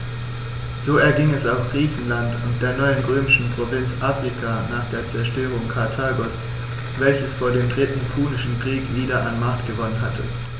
So erging es auch Griechenland und der neuen römischen Provinz Afrika nach der Zerstörung Karthagos, welches vor dem Dritten Punischen Krieg wieder an Macht gewonnen hatte.